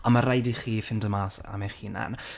Ond ma' raid i chi ffindo mas am eich hunain.